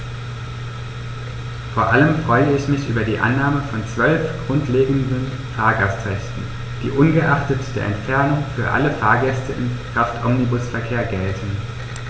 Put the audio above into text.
Vor allem freue ich mich über die Annahme von 12 grundlegenden Fahrgastrechten, die ungeachtet der Entfernung für alle Fahrgäste im Kraftomnibusverkehr gelten.